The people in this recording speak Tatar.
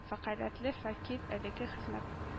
Вәкаләтле вәкил әлеге хезмәт